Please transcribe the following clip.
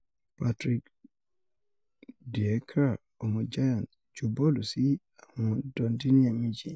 Patrick Dwyekr, ọmọ Giants, ju bọ́ọ̀lù sí àwọ̀n Dundee ní èèmejì